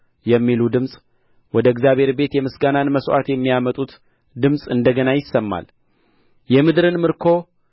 የሚሉ ድምፅ ወደ እግዚአብሔርም ቤት የምስጋናን መሥዋዕት የሚያመጡት ድምፅ እንደ ገና ይሰማል የምድርን ምርኮ